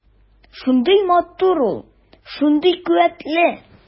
Шундый матур ул, шундый куәтле.